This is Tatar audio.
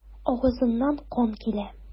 Авызыннан кан килә.